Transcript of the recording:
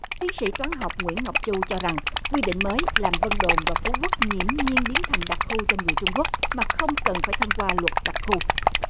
tiến sĩ toán học nguyễn ngọc chu cho rằng quy định mới làm vân đồn và phú quốc nghiễm nhiên biến thành đặc khu cho người trung quốc mà không cần phải thông qua luật đặc khu